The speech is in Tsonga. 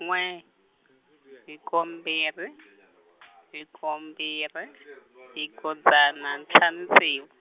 n'we , hiko mbirhi , hiko mbirhi, hiko dzana ntlhanu ntsevu.